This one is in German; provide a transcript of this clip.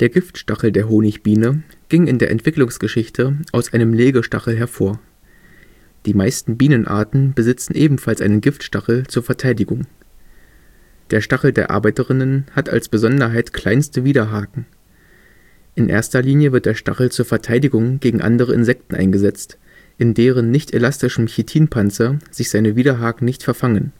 Giftstachel der Honigbiene ging in der Entwicklungsgeschichte aus einem Legestachel hervor. Die meisten Bienenarten besitzen ebenfalls einen Giftstachel zur Verteidigung. Der Stachel der Arbeiterinnen hat als Besonderheit kleinste (auf dem Bild nicht erkennbare) Widerhaken. In erster Linie wird der Stachel zur Verteidigung gegen andere Insekten eingesetzt, in deren nicht elastischem Chitinpanzer sich seine Widerhaken nicht verfangen